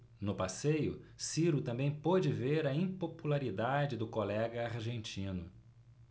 no passeio ciro também pôde ver a impopularidade do colega argentino